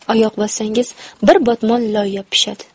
oyoq bossangiz bir botmon loy yopishadi